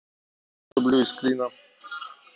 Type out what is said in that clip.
и я тебя люблю из клина